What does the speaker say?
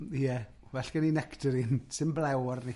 Ie, well, geni nectarine, sy'm blêw arni.